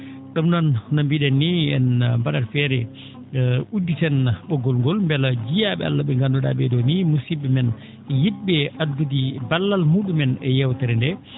?um noon no mbii?en ni en mba?at feere udditen ?oggol ngol mbela jiyaa?e Allah ?e ngandu?aa ?ee ?oo ni musid?e men yit?e addude ballal mu?umen e yeewtere ndee